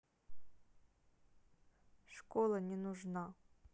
школа не нужна